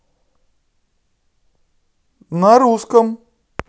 на русском